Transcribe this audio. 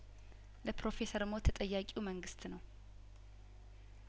ለፕሮፌሰር ሞት ተጠያቂው መንግስት ነው